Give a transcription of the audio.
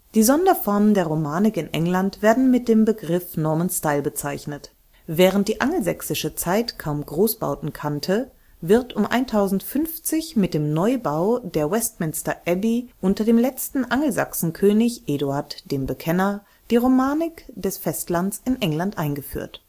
Die Sonderformen der Romanik in England werden mit dem Begriff Norman Style bezeichnet. Während die angelsächsische Zeit kaum Großbauten kannte, wird um 1050 wird mit dem Neubau der Westminster Abbey unter dem letzten Angelsachsenkönig Eduard dem Bekenner die Romanik des Festlandes in England eingeführt